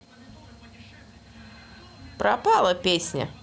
пропала песня